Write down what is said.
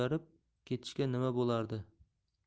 o'ngarib ketishsa nima bo'lardi